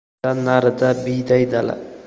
undan narida biyday dala